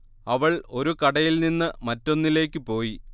അവൾ ഒരു കടയിൽ നിന്ന് മറ്റൊന്നിലേക്ക് പോയി